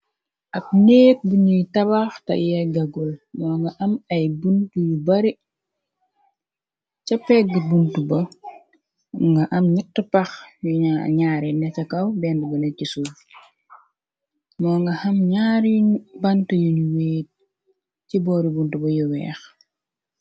Ab neek buñuy tabaax te yegga gul moo nga am ay buntu yu bare ca pegg bunt ba nga am ñett pax yu na ñaari neca kaw benn bu nekci suuj moo nga am ñyaari bantu yuñu weex ci boori bunt ba yu weex.